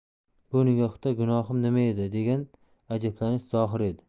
bu nigohda gunohim nima edi degan ajablanish zohir edi